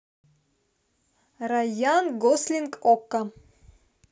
райан гослинг okko